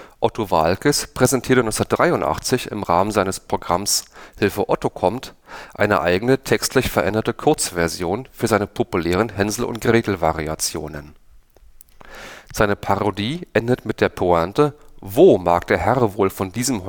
Otto Waalkes präsentierte 1983 im Rahmen seines Programms „ Hilfe, Otto kommt! “eine eigene textlich veränderte kurze Version für seine populären Hänsel-und-Gretel-Variationen. Seine Parodie endet mit der Pointe: „ Wo mag der Herr wohl von diesem